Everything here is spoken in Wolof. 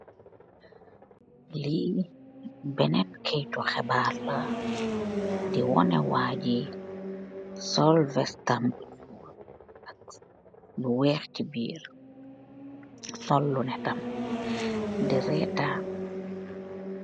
Li bena keyti xibaar la di woneh wagi sool vess tam bu nuul ak lu weex si birr sool lunet tam d retan.